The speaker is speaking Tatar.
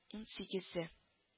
Унсигезе